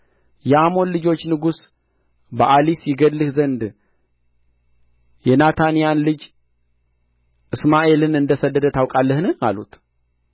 የአሞን ልጆች ንጉሥ በኣሊስ ይገድልህ ዘንድ የናታንያን ልጅ እስማኤልን እንደ ሰደደ ታውቃለህን አሉት የአኪቃም ልጅ ጎዶልያስ ግን አላመናቸውም